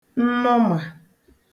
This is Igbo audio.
nnụmà